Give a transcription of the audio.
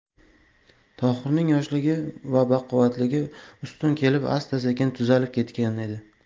tohirning yoshligi va baquvvatligi ustun kelib asta sekin tuzalib ketgan edi